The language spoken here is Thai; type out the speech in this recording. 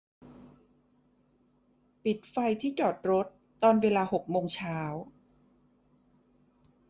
ปิดไฟที่จอดรถตอนเวลาหกโมงเช้า